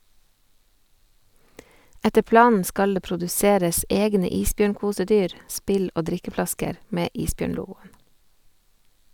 Etter planen skal det produseres egne isbjørnkosedyr , spill og drikkeflasker med isbjørnlogoen.